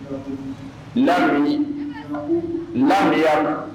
Na na miya ma